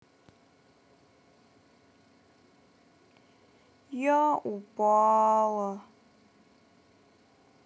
я упала